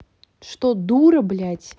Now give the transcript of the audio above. что дура блять